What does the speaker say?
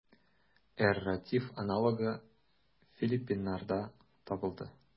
Эрратив аналогы филиппиннарда табылды.